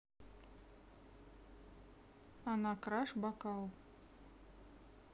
она краш бокал